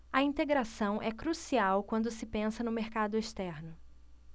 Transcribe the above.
a integração é crucial quando se pensa no mercado externo